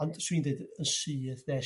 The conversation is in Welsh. Ond sw' i'n d'eud yn syth 'de